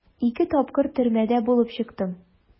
Ике тапкыр төрмәдә булып чыктым.